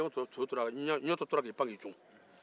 ɲɔtɔn tora ki pan k'i cun